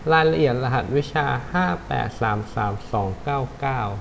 รายละเอียดรหัสวิชาห้าแปดสามสามสองเก้าเก้า